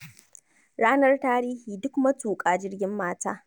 RANAR TARIHI - Duk matuƙa jirgi mata